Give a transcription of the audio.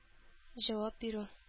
Җавап бирү